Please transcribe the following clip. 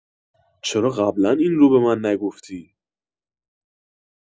چرا قبلا این رو به من نگفتی؟